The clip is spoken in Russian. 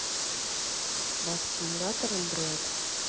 bus simulator android